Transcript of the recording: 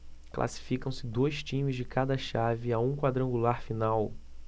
classificam-se dois times de cada chave a um quadrangular final